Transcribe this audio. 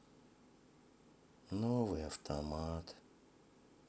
новый автомат